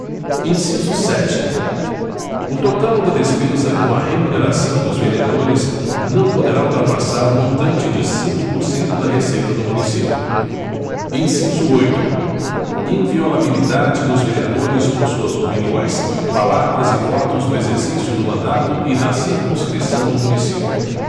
inciso sete o total da despesa com a remuneração dos vereadores não poderá ultrapassar o montante de cinco por cento da receita do município inciso oito inviolabilidade dos vereadores por suas opiniões palavras e votos no exercício do mandato e na circunscrição do município